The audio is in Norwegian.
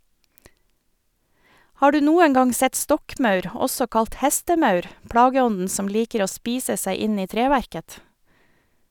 Har du noen gang sett stokkmaur, også kalt hestemaur, plageånden som liker å spise seg inn i treverket?